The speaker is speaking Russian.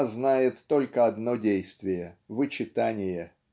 она знает только одно действие - вычитание.